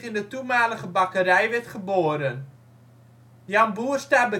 de toenmalige bakkerij werd geboren. Jan Boer staat